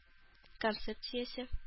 Концепциясе